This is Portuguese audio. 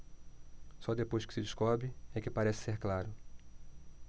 só depois que se descobre é que parece ser claro